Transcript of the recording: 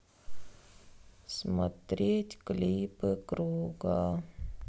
смотреть клипы круга